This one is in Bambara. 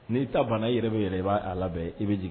N'i ta banna yɛrɛ bɛ yɛrɛ i b'a la labɛn bɛɛ i bɛ jigin